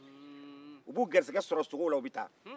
u b'u garijɛgɛ sɔrɔ sogow la u bɛ taa